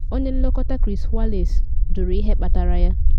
Onye nlekọta Chris Wallace jụrụ ihe kpatara ya.